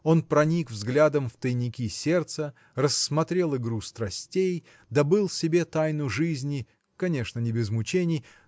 Он проник взглядом в тайники сердца рассмотрел игру страстей добыл себе тайну жизни конечно не без мучений